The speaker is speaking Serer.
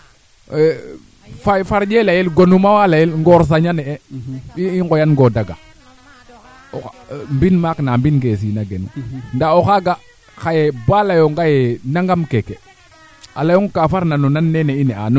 to aussi foogum kam fooge a refa surtout a refa nga fasaɓ fa yeeq fee a jega moƴatir foogum ndax o ndeeta ngaan bo rewe njikook na fasaaɓ ana jega fasaɓ faa na moƴa seer